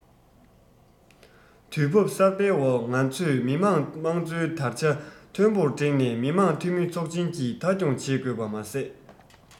དུས བབ གསར པའི འོག ང ཚོས མི དམངས དམངས གཙོའི དར ཆ མཐོན པོར བསྒྲེངས ནས མི དམངས འཐུས མི ཚོགས ཆེན གྱི མཐའ འཁྱོངས བྱེད དགོས པ མ ཟད